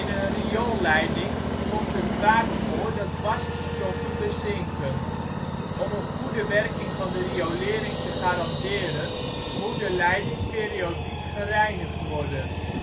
rioolleiding komt het vaak voor dat vaste stoffen bezinken. Om een goede werking van de riolering te garanderen moet de leiding periodiek gereinigd worden